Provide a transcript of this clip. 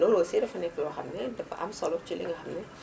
loolu aussi dafa nekk yoo xam ne dafa am solo ci li nga xam ne